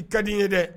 I kadi n ye dɛ